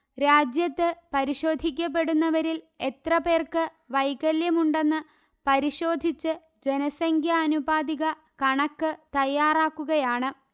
രാജ്യത്ത് പരിശോധിക്കപ്പെടുന്നവരിൽ എത്ര പേർക്ക് വൈകല്യമുണ്ടെന്ന്പരിശോധിച്ച് ജനസംഖ്യാനുപാതിക കണക്ക് തയ്യാറാക്കുകയാണ്